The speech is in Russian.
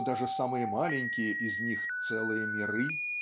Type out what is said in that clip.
что даже самые маленькие из них целые миры